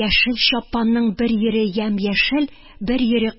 Яшел чапанның бер йире ямь-яшел, бер йире